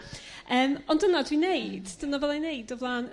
Yrm ond dyna dwi'n wneud dyna fyddai'n neud o fla'n